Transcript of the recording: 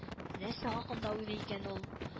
Нәрсә хакында уйлый икән ул